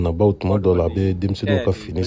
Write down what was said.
tuma dɔw la a bɛ denmisɛnnu ka fini san